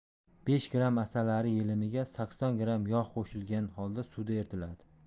besh gramm asalari yelimiga sakson gramm yog' qo'shilgan holda suvda eritiladi